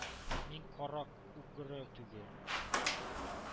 Мин карак-угъры түгел,